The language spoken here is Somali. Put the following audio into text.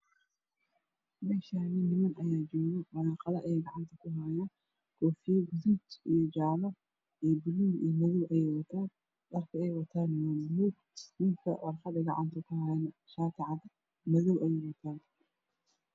Meshani nimam ayajoogo warqad ayey gacanta kuhayan kofiyo gaduud io jale balug io madow ayey watan dharka eey watan waa madow ninka warqad gacnta kuhayo shati madow ah ayow wata